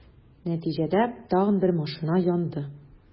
Нәтиҗәдә, тагын бер машина янды.